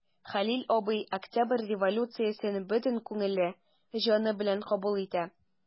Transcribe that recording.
Хәлил абый Октябрь революциясен бөтен күңеле, җаны белән кабул итә.